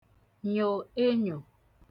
nyò enyò